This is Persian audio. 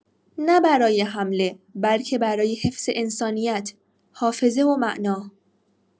نه برای حمله، بلکه برای حفظ انسانیت، حافظه و معنا.